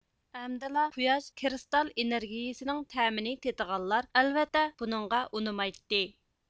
ئەمدىلا قۇياش كرىستال ئېنىرگىيىسىنىڭ تەمىنى تېتىغانلار ئەلۋەتتە بۇنىڭغا ئۇنىمايتتى